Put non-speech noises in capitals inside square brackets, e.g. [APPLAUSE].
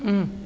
[HESITATION] [HESITATION]